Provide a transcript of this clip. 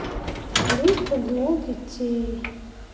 клипы для детей